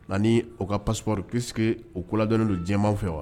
Ani u ka paspri ki u kudɔn don jɛma fɛ wa